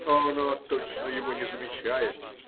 А она точно его не замечает.